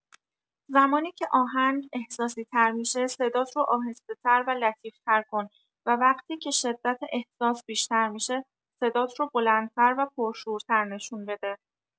زمانی که آهنگ احساسی‌تر می‌شه، صدات رو آهسته‌تر و لطیف‌تر کن و وقتی که شدت احساس بیشتر می‌شه، صدات رو بلندتر و پرشورتر نشون بده.